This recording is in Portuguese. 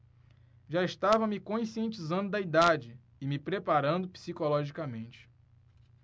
já estava me conscientizando da idade e me preparando psicologicamente